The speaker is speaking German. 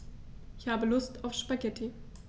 Ich habe Lust auf Spaghetti.